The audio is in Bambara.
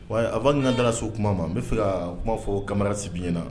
Wa avant que an da ka s'o kuma, n bɛ fɛ kaa kuma fɔ kamara sibi ɲɛna na